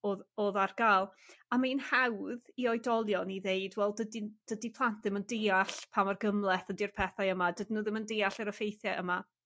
odd odd ar ga'l. A ma' 'i'n hawdd i oedolion i ddeud wel dydi'n dydi plant ddim yn deall pa mor gymleth ydy'r pethau yma dydyn nw ddim yn deall yr effeithie yma.